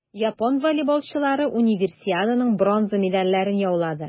Япон волейболчылары Универсиаданың бронза медальләрен яулады.